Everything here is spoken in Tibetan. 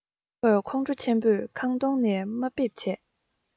ཁོས ཁོང ཁྲོ ཆེན པོས ཁང སྟོང ནས དམའ འབེབས བྱས